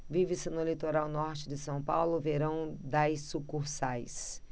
vive-se no litoral norte de são paulo o verão das sucursais